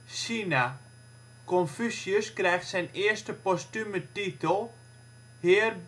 China: Confucius krijgt zijn eerste postume titel: heer